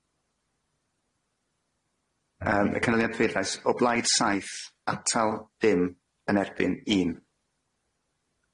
Yym y canlyniad pleudlais, o blaid saith atal dim yn erbyn un.